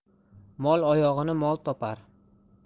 mol oyog'in mol topar